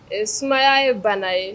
Ee sumaya ye bana ye